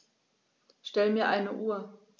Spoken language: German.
Stell mir eine Uhr.